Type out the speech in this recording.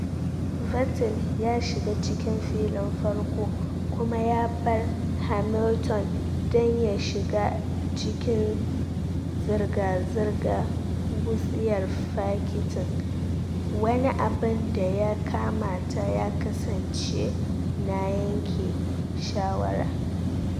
Vettel ya shiga cikin filin farko kuma ya bar Hamilton don ya shiga cikin zirga-zirga a wutsiyar fakitin, wani abin da ya kamata ya kasance na yanke shawara.